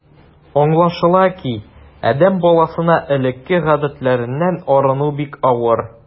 Аңлашыла ки, адәм баласына элекке гадәтләреннән арыну бик авыр.